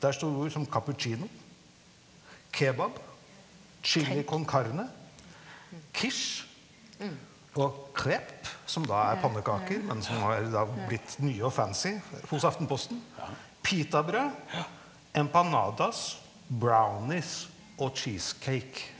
der står ord som cappuccino, kebab, chili con carne, quiche, og crepe, som da er pannekaker men som har da blitt nye og fancy hos Aftenposten, pitabrød, empanadas, brownies og cheesecake.